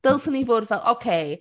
Dylsen ni fod fel okay...